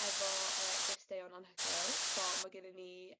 efo yy gwesteion anhygoel so ma' gennyn ni...